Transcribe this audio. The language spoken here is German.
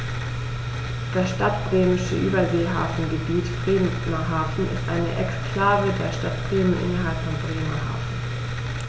Das Stadtbremische Überseehafengebiet Bremerhaven ist eine Exklave der Stadt Bremen innerhalb von Bremerhaven.